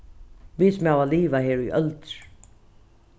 vit sum hava liva her í øldir